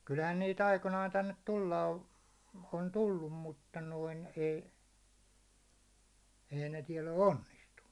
kyllähän niitä aikoinaan tänne tulla - on tullut mutta noin ei ei ne täällä ole onnistunut